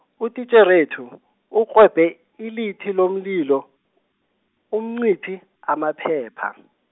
utitjherethu, utlwebhe, ilithi lomlilo, umcithi, amaphepha.